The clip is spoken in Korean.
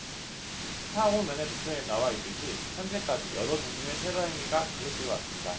사 오 면의 도표에 나와 있듯이 현재까지 여러 종류의 테러 행위가 계속되어 왔습니다